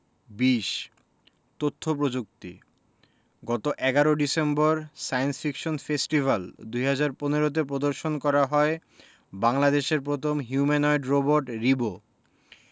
২০ তথ্য পযুক্তি গত ১১ ডিসেম্বর সায়েন্স ফিকশন ফেস্টিভ্যাল ২০১৫ তে প্রদর্শন করা হয় বাংলাদেশের প্রথম হিউম্যানোয়েড রোবট রিবো